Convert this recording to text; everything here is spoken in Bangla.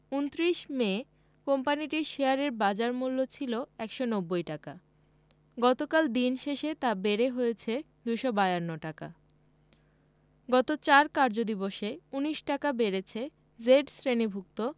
২৯ মে কোম্পানিটির শেয়ারের বাজারমূল্য ছিল ১৯০ টাকা গতকাল দিন শেষে তা বেড়ে হয়েছে ২৫২ টাকা গত ৪ কার্যদিবসে ১৯ টাকা বেড়েছে জেড শ্রেণিভুক্ত